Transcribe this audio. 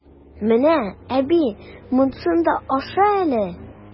Менә, әби, монсын да аша әле!